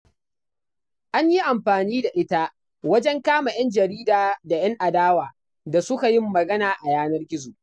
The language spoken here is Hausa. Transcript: An yi amfani da ita wajen kama 'yan jarida da 'yan adawa da suka yin magana a yanar gizo.